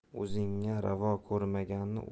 o'zingga ravo ko'rmaganni